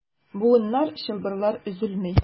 Буыннар, чылбырлар өзелми.